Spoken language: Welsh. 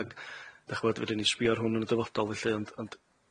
ag 'dach chi'bod fedrwn ni sbïo ar hwn yn y dyfodol felly ond ond,